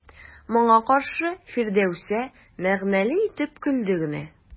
Моңа каршы Фирдәүсә мәгънәле итеп көлде генә.